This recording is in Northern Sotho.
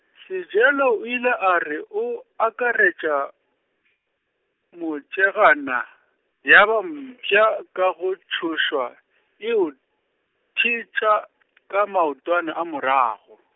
Sejelo o ile a re o akaretša , motšegana, ya ba mpša ka go tšhošwa, e o thetša ka maotwana a morago.